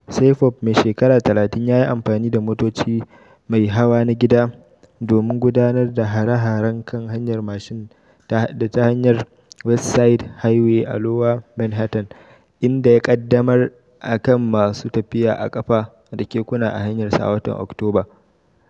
Saipov, mai shekaru 30, ya yi amfani da motoci mai hawa na gida domin gudanar da hare-haren kan hanyar machine da ta hanyar West Side Highway a Lower Manhattan, inda ya kaddamar akan masu tafiya a kafa da kekuna a hanyarsa a watan Oktoba.